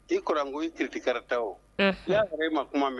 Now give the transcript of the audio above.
I kgo i ki karatata o si sɔrɔ e ma kuma mɛn